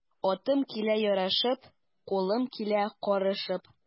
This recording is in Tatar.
Атым килә ярашып, кулым килә карышып.